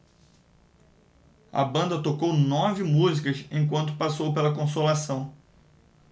a banda tocou nove músicas enquanto passou pela consolação